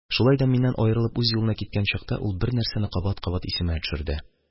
Шулай да, миннән аерылып үз юлына киткән чакта, ул бернәрсәне кабат-кабат исемә төшерде: